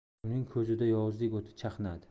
uning ko'zida yovuzlik o'ti chaqnadi